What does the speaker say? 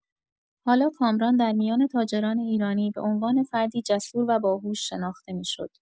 حالا کامران در میان تاجران ایرانی به عنوان فردی جسور و باهوش شناخته می‌شد.